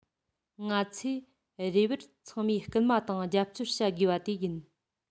ང ཚོས རེ བར ཚང མས སྐུལ མ དང རྒྱབ སྐྱོར བྱ དགོས པ དེ ཡིན